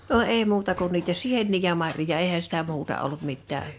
no ei muuta kuin niitä sieniä ja marjoja eihän sitä muuta ollut mitään